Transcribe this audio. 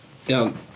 Iawn.